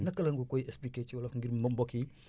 naka la nga koy expliqué ci wolof ngir ma mbokk yi